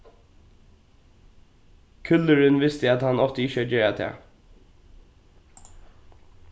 kúllurin visti at hann átti ikki at gera tað